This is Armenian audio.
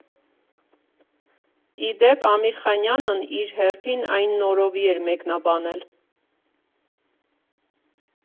Ի դեպ, Ամիրխանյանն իր հերթին այն նորովի էր մեկնաբանել։